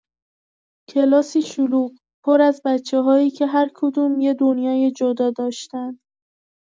کلاسی شلوغ، پر از بچه‌هایی که هر کدوم یه دنیای جدا داشتن.